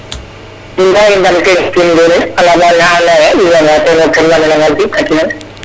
*